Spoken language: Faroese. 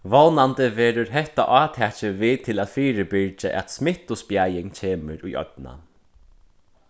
vónandi verður hetta átakið við til at fyribyrgja at smittuspjaðing kemur í oynna